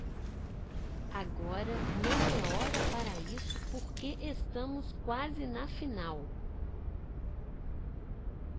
agora não é hora para isso porque estamos quase na final